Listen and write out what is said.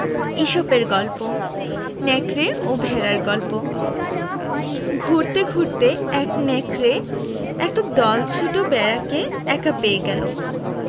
ইসপের গল্প নেকড়ে ও ভেড়ার গল্প ঘুরতে ঘুরতে এক নেকড়ে একটা দলছুট বেড়াকে একলা পেয়ে গেল